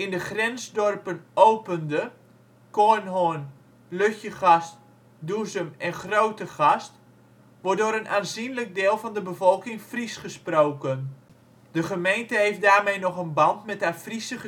de grensdorpen Opende (Fries: De Grinzer Pein), Kornhorn, Lutjegast, Doezum en Grootegast wordt door een aanzienlijk deel van de bevolking Fries gesproken. De gemeente heeft daarmee nog een band met haar Friese